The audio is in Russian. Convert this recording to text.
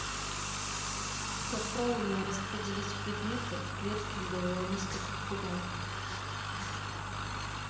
как правильно распределить предметы в клетке для волнистых попугаев